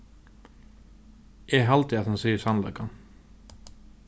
eg haldi at hann sigur sannleikan